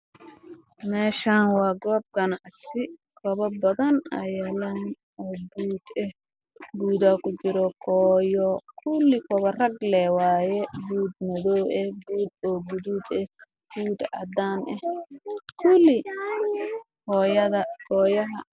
Meeshaan waa goob ganacsi